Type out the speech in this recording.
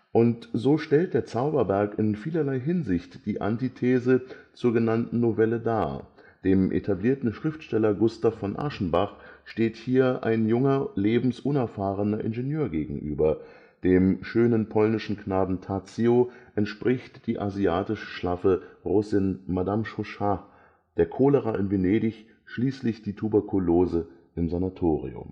Und so stellt der Zauberberg in vielerlei Hinsicht die Antithese zur genannten Novelle dar. Dem etablierten Schriftsteller Gustav von Aschenbach steht hier ein junger, lebensunerfahrener Ingenieur gegenüber. Dem schönen polnischen Knaben Tadzio entspricht die „ asiatisch-schlaffe “Russin Madame Chauchat, der Cholera in Venedig schließlich die Tuberkulose im Sanatorium